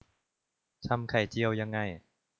ทำไข่เจียวยังไง